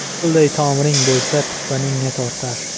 qilday tomir bo'lsa tuqqaniga tortar